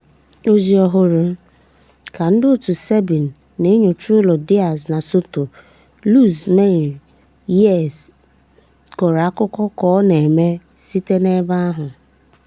[Ozi ọhụrụ] Ka ndị òtù SEBIN na-enyocha ụlọ Diaz na Soto, Luz Mely Reyes kọrọ akụkọ ka ọ na-eme site n'ebe ahụ.